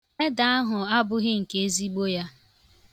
Ede ahụ abụghị nke ezigbo ya.